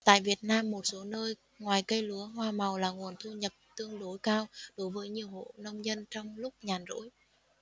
tại việt nam một số nơi ngoài cây lúa hoa màu là nguồn thu nhập tương đối cao đối với nhiều hộ nông dân trong lúc nhàn rỗi